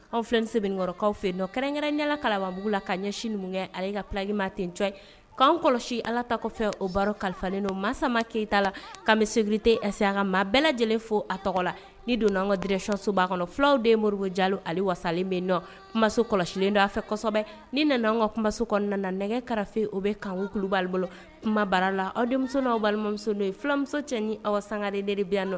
Anw filɛ sekɔrɔkaw fɛ don kɛrɛnkɛrɛn ɲɛ kalababugu la ka ɲɛsin kɛ ale kakima ten ye k'an kɔlɔsi alata kɔfɛ o baro kalifa don mama keyita la ka bɛ seritesɛ kan maa bɛɛ lajɛlen fo a tɔgɔ la ni don an ka drecsobaa kɔnɔ fulaw de mori ja ale wasalen bɛ kumaso kɔlɔsilen don a fɛ kosɛbɛ ni nana an ka kumaso kɔnɔna na nɛgɛkarafe o bɛ kan wu kulu' bolo kumabara la aw denmuso balimamuso ye fulamuso cɛ aw sanga ne